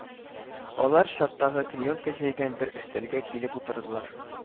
Алар чаттагы клеенка җәйгән бер өстәлгә килеп утырдылар